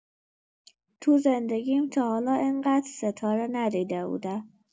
تو زندگیم تا حالا اینقدر ستاره ندیده بودم.